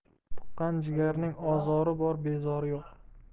tuqqan jigarning ozori bor bezori yo'q